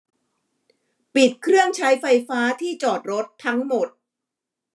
ปิดเครื่องใช้ไฟฟ้าที่จอดรถทั้งหมด